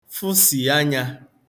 fụsì anyā